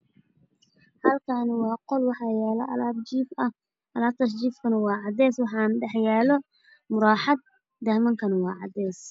Halkaan waa qol waxaa yaalo alaab jiif ah oo cadeys ah waxaana dhex yaalo marawaxad, daahmanku waa cadeys.